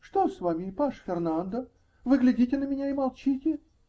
-- Что с вами, паж Фернандо: вы глядите на меня и молчите?